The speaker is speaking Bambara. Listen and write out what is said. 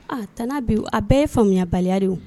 Aa t bi a bɛɛ ye faamuyayabaliya de